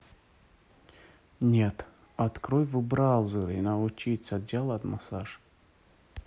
нет открой в браузере научиться делать массаж